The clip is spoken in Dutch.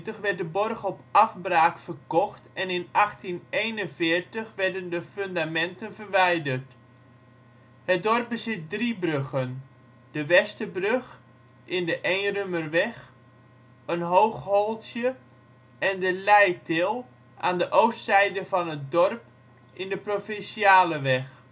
werd de borg op afbraak verkocht en in 1841 werden de fundamenten verwijderd. Het dorp bezit drie bruggen, de Westerbrug in de Eenrumerweg, een hoogholtje en de Leitil aan de oostzijde van het dorp in de provinciale weg